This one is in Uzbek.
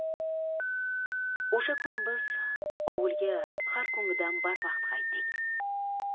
o'sha kuni biz ovulga har kungidan barvaqt qaytdik